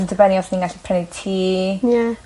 ...yn dibynnu os ni gallu prynu tŷ. Ie.